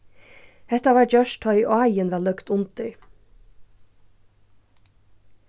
hetta varð gjørt tá ið áin varð løgd undir